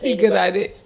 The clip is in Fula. ɗiggata de